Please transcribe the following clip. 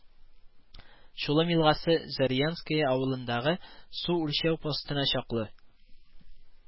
Чулым елгасы, Зырянское авылындагы су үлчәү постына чаклы